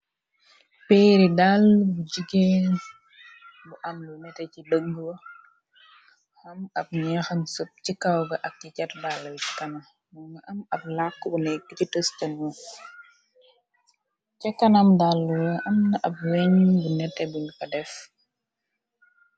Peeri daal bu jigeen bu andak bu am lu nete ci dëggo am xam nyexam sub ci kawga ak ci jatu daala yi si kanam mogi am ab làkk bu nekk ci tëstanwu ci kanam dàala wo am na ab weñ bu nete buñu ko def.